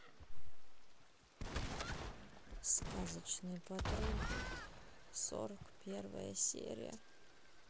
сказочный патруль сорок первая серия